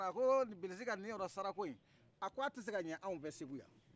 a ko bilisi ka ninyɔrɔsaran ko yin a ko a tise ka laban segu yan